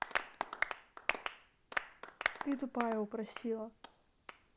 ты тупая упросила